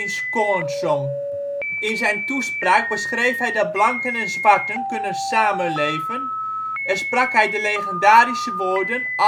scorned " zong. In zijn toespraak beschreef hij dat blanken en zwarten kunnen samenleven en sprak hij de legendarische woorden